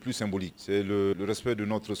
Senoli sɛbɛ donna so